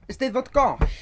Y 'Steddfod goll?